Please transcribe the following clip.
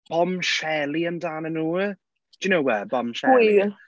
Bombshelly amdano nhw. Do you know her, bombshelly?